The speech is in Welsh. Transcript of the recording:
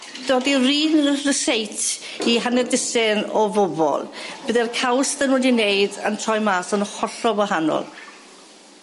Dodi'r un ryseit i hanner dwsin o bobol bydde'r caws 'dyn nw 'di neud yn troi mas yn hollol wahanol.